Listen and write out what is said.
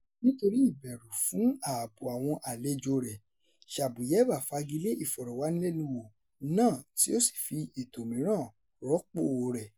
Nítorí ìbẹ̀rù fún ààbò àwọn àlejòo rẹ̀, Shabuyeva fagilé ìfọ̀rọ̀wánilẹ́nuwò náà tí ó sì fi ètò mìíràn rọ́pòo rẹ̀.